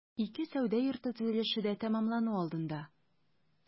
Ике сәүдә йорты төзелеше дә тәмамлану алдында.